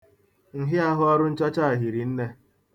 Nhịaahụ ọrụ nchọcha a hiri nne.